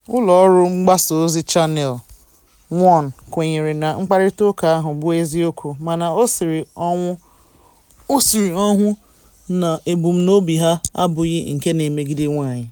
Ụlọọrụ mgbasaozi Channel One kwenyere na mkparịtaụka ahụ bụ eziokwu, mana o siri ọnwụ na ebumnobi ha abụghị nke na-emegide nwaanyị.